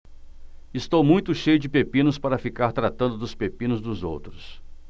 estou muito cheio de pepinos para ficar tratando dos pepinos dos outros